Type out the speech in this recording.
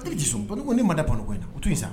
panneau_ ko ne ma da panneau ko in na, o to yen sa